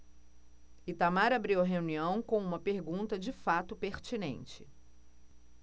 itamar abriu a reunião com uma pergunta de fato pertinente